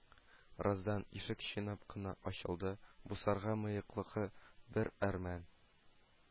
Раздан ишек чинап кына ачылды, бусагада мыеклы бер әрмән